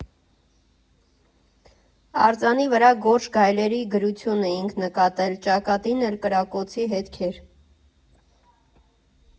Արձանի վրա «Գորշ գայլերի» գրություն էինք նկատել, ճակատին էլ կրակոցի հետքեր։